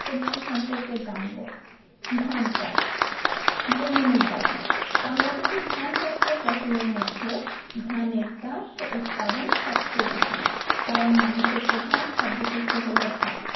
পদ্ধতি সম্পর্কে জানব ধান চাষ জমি নির্বাচনঃ বাংলাদেশে দানাজাতীয় ফসলের মধ্যে ধানের চাষ ও উৎপাদন সবচেয়ে বেশি কারন মানুষের প্রধান খাদ্যশস্য হলো ভাত